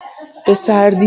به سردی